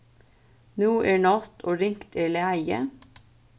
nú er nátt og ringt er lagið